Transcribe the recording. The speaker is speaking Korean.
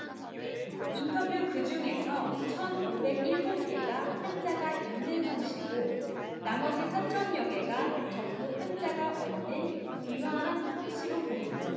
인터뷰 그중에서 천 오백 일곱 개가 한자가 있는 성씨고 나머지 사천 여 개가 전부 한자가 없는 귀화한 성씨로 보이고